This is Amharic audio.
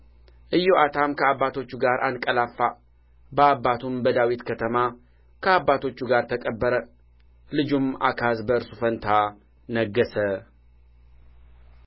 ኢዮአታም ከአባቶቹ ጋር አንቀላፋ በአባቱም በዳዊት ከተማ ከአባቶቹ ጋር ተቀበረ ልጁም አካዝ በእርሱ ፋንታ ነገሠ